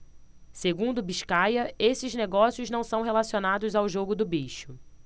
segundo biscaia esses negócios não são relacionados ao jogo do bicho